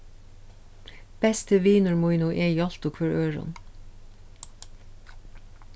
besti vinur mín og eg hjálptu hvør øðrum